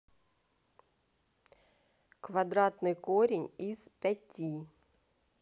квадратный корень из пяти